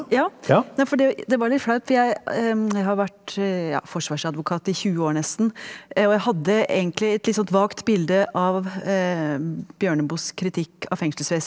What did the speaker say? ja nei for det det var litt flaut for jeg jeg har vært ja forsvarsadvokat i 20 år nesten og jeg hadde egentlig et litt sånt vagt bilde av Bjørneboes kritikk av.